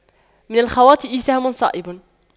من الخواطئ سهم صائب